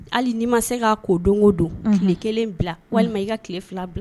Hali n'i ma se k'a ko don o don tile kelen bila walima i ka tile fila bila